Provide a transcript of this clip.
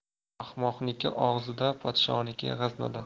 ahmoqniki og'zida podshoniki g'aznada